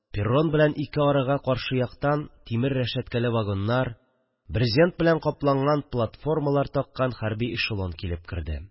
Перрон белән ике арага каршы яктан тимер рәшәткәле вагоннар, брезент белән капланган платформалар таккан хәрби эшелон килеп керде